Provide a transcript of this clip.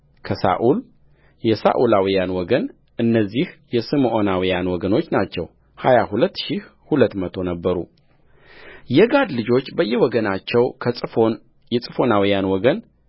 ከሳኡል የሳኡላውያን ወገንእነዚህ የስምዖናውያን ወገኖች ናቸው ሀያ ሁለት ሺህ ሁለት መቶ ነበሩየጋድ ልጆች በየወገናቸው ከጽፎን የጽፎናውያን ወገን